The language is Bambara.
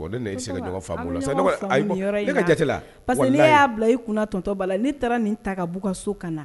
Bon ne n'e tɛ se ka ɲɔgɔn faamu ola sa, ne ko, an ma ɲɔgɔn faamu, ayi ne ka jate la, parce que ni y'a bila i kunna tɔntɔn Bala, ne taara nin ta ka b'u ka so ka na.